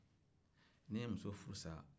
n'i ye muso furu sa